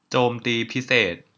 โจมตีพิเศษ